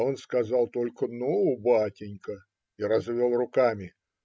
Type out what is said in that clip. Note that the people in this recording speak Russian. Он сказал только: "ну, батенька", и развел руками.